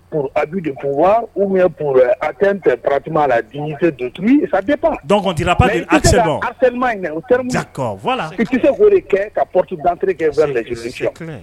De wa u pur a tɛtuma la kɛ ka p dakɛ